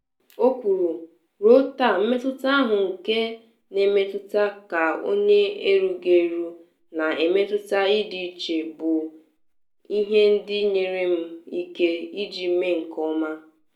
O kwuru: “Ruo taa, mmetụta ahụ nke na emetụta ka onye erughị eru, na mmetụta ịdị iche, bụ ihe ndị nyere m ike iji mee nke ọma.”